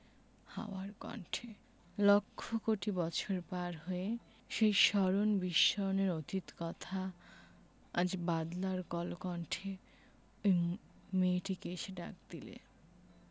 হাওয়ার কণ্ঠে লক্ষ কোটি বছর পার হয়ে সেই স্মরণ বিস্মরণের অতীত কথা আজ বাদলার কলকণ্ঠে ঐ মেয়েটিকে এসে ডাক দিলে